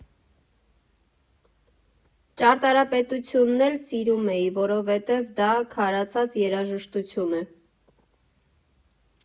Ճարտարապետությունն էլ սիրում էի, որովհետև դա քարացած երաժշտություն է։